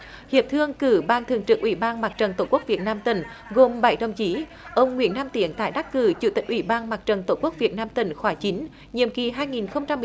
hiệp thương cử ban thường trực ủy ban mặt trận tổ quốc việt nam tỉnh gồm bảy đồng chí ông nguyễn nam tiến tái đắc cử chủ tịch ủy ban mặt trận tổ quốc việt nam tỉnh khóa chín nhiệm kỳ hai nghìn không trăm